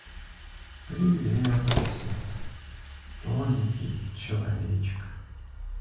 привет сосед тоненький человечек